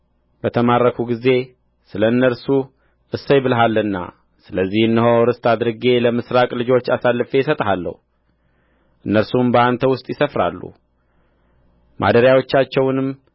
በተማረኩ ጊዜ ስለ እነርሱ እሰይ ብለሃልና ስለዚህ እነሆ ርስት አድርጌ ለምሥራቅ ልጆች አሳልፌ አሰጥሃለሁ እነርሱም በአንተ ውስጥ ይሰፍራሉ ማደሪያዎቻቸውንም